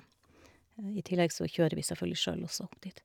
I tillegg så kjører vi selvfølgelig sjøl også, dit.